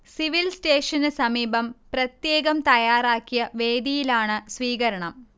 civil സേ്റ്റഷന് സമീപം പ്രത്യേകം തയ്യാറാക്കിയ വേദിയിലാണ് സ്വീകരണം